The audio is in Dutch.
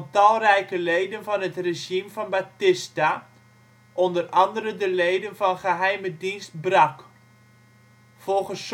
talrijke leden van het regime van Batista, onder andere de leden van geheime dienst BRAC. Volgens